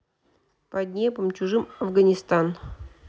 под небом чужим афганистан